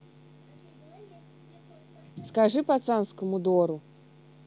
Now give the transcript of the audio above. скажи пацанскому дору